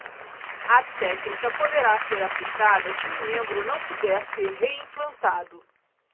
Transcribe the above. a técnica poderá ser aplicada se o membro não puder ser reimplantado